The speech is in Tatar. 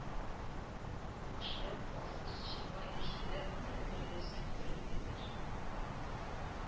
Бу кешеләр, класслы чинга ирешсәләр, дворян дәрәҗәсенә күтәрелгәннәр